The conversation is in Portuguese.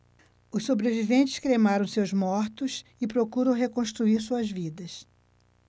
os sobreviventes cremaram seus mortos e procuram reconstruir suas vidas